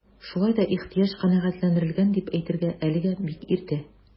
Шулай да ихтыяҗ канәгатьләндерелгән дип әйтергә әлегә бик иртә.